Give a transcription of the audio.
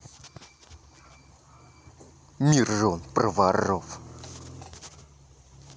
miron проворов